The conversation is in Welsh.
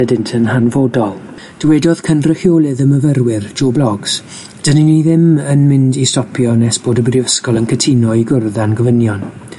ydynt yn hanfodol. Dywedodd cynrychiolydd y myfyrwyr, Joe Blogs 'dyn ni ni ddim yn mynd i stopio nes bod y Brifysgol yn cytuno i gwrdd â'n gofynion.